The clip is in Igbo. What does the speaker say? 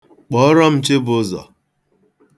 Kpọọrọ m Chibụzọ.